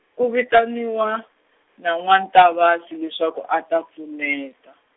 ku vitaniwa, na N'wa-Ntavasi leswaku a ta pfuneta.